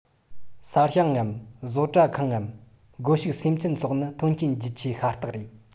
ས ཞིང ངམ བཟོ གྲ ཁང ངམ སྒོ ཕྱུགས སེམས ཅན སོགས ནི ཐོན སྐྱེད རྒྱུ ཆས ཤ སྟག རེད